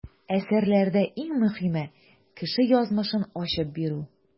Әсәрләрдә иң мөһиме - кеше язмышын ачып бирү.